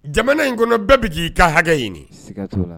Jamana in kɔnɔ bɛɛ bɛ jigin i ka hakɛ ɲini